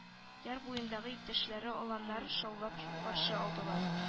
Яр буендагы иптәшләре аларны шаулашып каршы алдылар